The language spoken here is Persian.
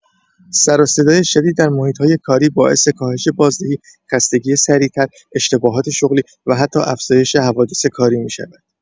سر و صدای شدید در محیط‌های کاری باعث کاهش بازدهی، خستگی سریع‌تر، اشتباهات شغلی و حتی افزایش حوادث کاری می‌شود.